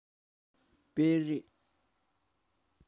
སྤེལ རེས